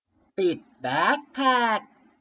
ปิดแบคแพ็ค